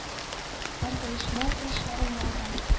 Партоешма утырышларында да